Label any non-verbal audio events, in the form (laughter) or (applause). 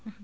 (hesitation) (hesitation)